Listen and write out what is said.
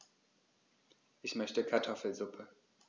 Ich möchte Kartoffelsuppe.